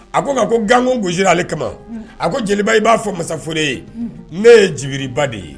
A ko ko ganko g ale kama a ko jeliba i b'a fɔ masaf ye ne ye jurubiba de ye